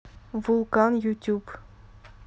вулкан ютюб